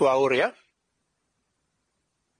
Gwawr ia?